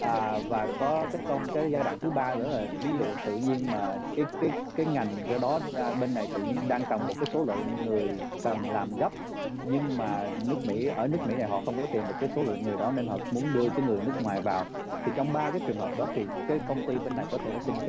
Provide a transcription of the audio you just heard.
à và có các con tới giai đoạn thứ ba nữa là ví dụ tự nhiên mà cái cái ngành rô bốt là bên này tự nhiên đang cần một số lượng người cần làm gấp nhưng mà nước mỹ ở nước mỹ để họ không có tìm được cái số lượng người đó nên họ muốn đưa người nước ngoài vào thì trong ba cái trường hợp đó thì các công ty bên này có thể xin